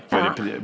ja.